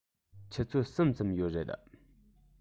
ཆུ ཚོད གསུམ ཙམ ཡོད རེད